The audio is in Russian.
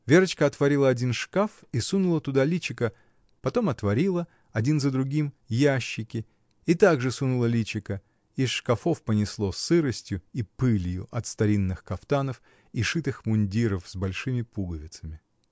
Верочка отворила один шкап и сунула туда личико, потом отворила, один за другим, ящики и также сунула личико: из шкапов понесло сыростью и пылью от старинных кафтанов и шитых мундиров с большими пуговицами.